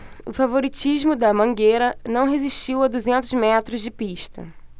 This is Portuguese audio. o favoritismo da mangueira não resistiu a duzentos metros de pista